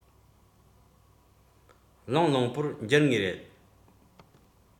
བློང བློང པོར གྱུར ངེས རེད